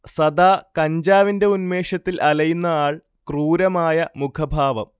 സദാ കഞ്ചാവിന്റെ ഉന്മേഷത്തിൽ അലയുന്ന ആൾ ക്രൂരമായ മുഖഭാവം